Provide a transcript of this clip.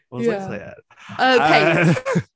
What was I saying?... Yy, Paige.